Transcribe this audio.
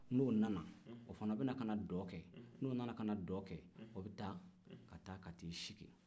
n'o nana o fana bɛ dɔn kɛ n'o nana ka dɔn kɛ o bɛ taa ka taa i sigi